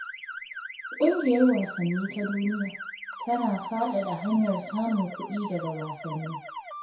Ƙungiyar wasanni ta duniya tana fadada hanyar samun kuɗi daga wasanni.